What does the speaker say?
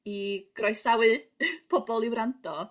i groesawu pobol i wrando.